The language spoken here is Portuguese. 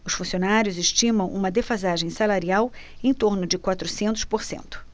os funcionários estimam uma defasagem salarial em torno de quatrocentos por cento